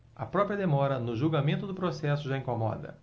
a própria demora no julgamento do processo já incomoda